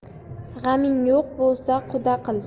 g'aming yo'q bo'lsa quda qil